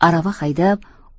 arava haydab